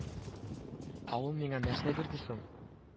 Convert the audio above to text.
Ә ул миңа нәрсә бирде соң